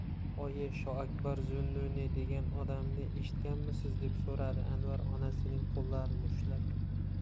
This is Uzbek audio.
oyi shoakbar zunnuniy degan odamni eshitganmisiz deb so'radi anvar onasining qo'llarini ushlab